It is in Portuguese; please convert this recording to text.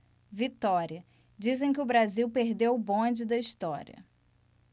vitória dizem que o brasil perdeu o bonde da história